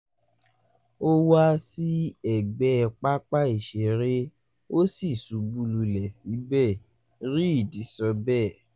"Ó wá sí ẹ̀gbẹ̀ pápá ìṣeré ó ṣì subú lulẹ̀ síbẹ̀,” Reed sọbẹ́ẹ̀.